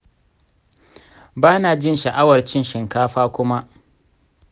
ba na jin sha’awar cin shinkafa kuma.